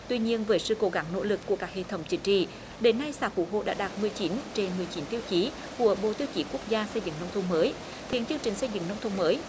tuy nhiên với sự cố gắng nỗ lực của cả hệ thống chính trị đến nay xã phú hộ đã đạt mười chín trên mười chín tiêu chí của bộ tiêu chí quốc gia xây dựng nông thôn mới hiện chương trình xây dựng nông thôn mới